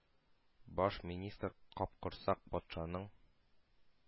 Баш министры капкорсак патшаның: